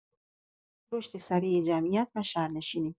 رشد سریع جمعیت و شهرنشینی